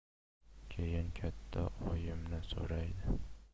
keyin katta oyimni so'raydi